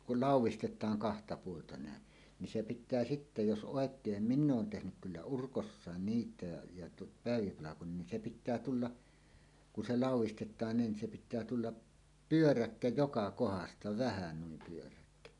kun laudistetaan kahta puolta näin niin se pitää sitten jos oikein minä olen tehnyt kyllä urkossa niitä ja - päiväpalkoin niin se pitää tulla kun se laudistetaan niin se pitää tulla pyöräkkä joka kohdasta vähä niin pyöräkkä